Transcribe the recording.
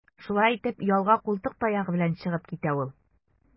Шулай итеп, ялга култык таягы белән чыгып китә ул.